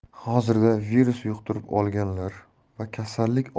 hozirda virus yuqtirib olganlar va kasallik